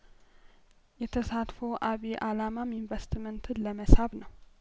የተሳትፎው አቢይ አላማም ኢንቨስትመንትን ለመሳብ ነው